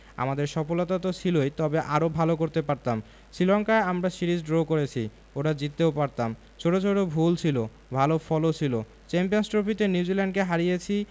আমাদের সফলতা তো ছিলই তবে আরও ভালো করতে পারতাম শ্রীলঙ্কায় আমরা সিরিজ ড্র করেছি ওটা জিততেও পারতাম ছোট ছোট ভুল ছিল ভালো ফলও ছিল চ্যাম্পিয়নস ট্রফিতে নিউজিল্যান্ডকে হারিয়েছি